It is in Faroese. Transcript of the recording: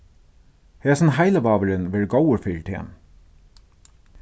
hesin heilivágurin verður góður fyri teg